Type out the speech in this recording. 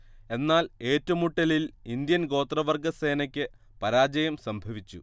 എന്നാൽ ഏറ്റുമുട്ടലിൽ ഇന്ത്യൻ ഗോത്രവർഗ സേനയ്ക്ക് പരാജയം സംഭവിച്ചു